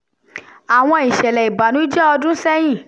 Àwọn ìṣẹ̀lẹ̀ ìbànújẹ́ ọdún sẹ́yìn